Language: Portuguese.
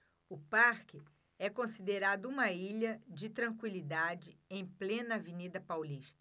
o parque é considerado uma ilha de tranquilidade em plena avenida paulista